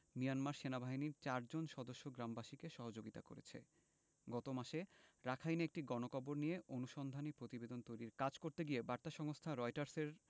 Myanmar সেনাবাহিনীর চারজন সদস্য গ্রামবাসীকে সহযোগিতা করেছে গত মাসে রাখাইনে একটি গণকবর নিয়ে অনুসন্ধানী প্রতিবেদন তৈরির কাজ করতে গিয়ে বার্তা সংস্থা রয়টার্সের